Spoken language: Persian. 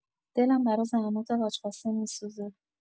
دلم برا زحمات حاج قاسم می‌سوزه